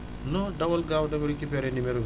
non dawal gaaw dem récupérer numéro bi